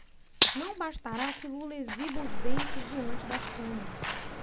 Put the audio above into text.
não bastará que lula exiba os dentes diante das câmeras